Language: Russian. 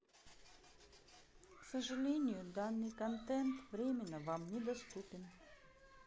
к сожалению данный контент временно вам недоступен